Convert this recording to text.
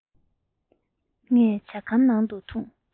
ངས ཇ ཁམ གང འཐུང